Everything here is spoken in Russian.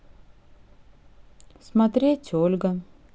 смотреть ольга